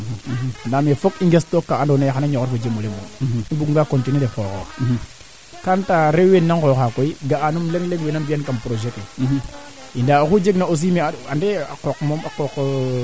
tak wee teen yaam manaam o qol le yaaja nda xano jeg mayu non non ca depend no laŋ kaa kam leyong xatoore a jg a jamano ko ga'oogu maak we ngoox kaa fina hectar njiind o ndiing mbaagirano ñaam